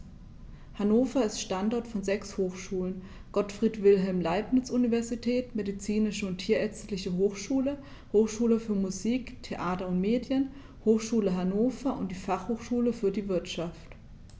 Hannover ist Standort von sechs Hochschulen: Gottfried Wilhelm Leibniz Universität, Medizinische und Tierärztliche Hochschule, Hochschule für Musik, Theater und Medien, Hochschule Hannover und die Fachhochschule für die Wirtschaft.